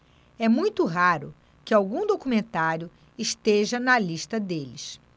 é muito raro que algum documentário esteja na lista deles